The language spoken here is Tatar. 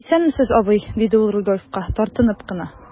Исәнмесез, абый,– диде ул Рудольфка, тартынып кына.